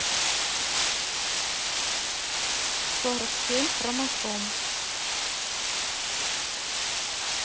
сорок семь хромосом